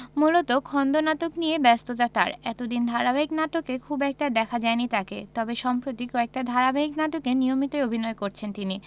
মূলত খণ্ডনাটক নিয়েই ব্যস্ততা তার এতদিন ধারাবাহিক নাটকে খুব একটা দেখা যায়নি তাকে তবে সম্প্রতি কয়েকটি ধারাবাহিক নাটকে নিয়মিতই অভিনয় করছেন তিনি